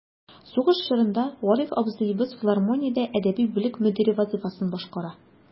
Сугыш чорында Гариф абзыебыз филармониядә әдәби бүлек мөдире вазыйфасын башкара.